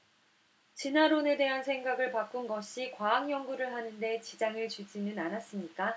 진화론에 대한 생각을 바꾼 것이 과학 연구를 하는 데 지장을 주지는 않았습니까